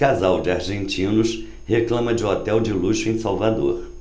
casal de argentinos reclama de hotel de luxo em salvador